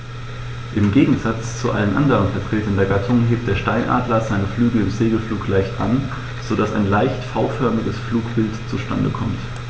Im Gegensatz zu allen anderen Vertretern der Gattung hebt der Steinadler seine Flügel im Segelflug leicht an, so dass ein leicht V-förmiges Flugbild zustande kommt.